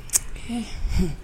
Ee